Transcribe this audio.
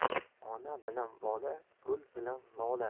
ona bilan bola gul bilan lola